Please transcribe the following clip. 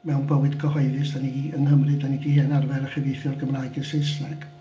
Mewn bywyd cyhoeddus dan ni yng Nghymru dan ni 'di hen arfer a chyfieithu o'r Gymraeg i'r Saesneg.